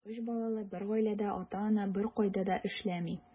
Өч балалы бер гаиләдә ата-ана беркайда да эшләми.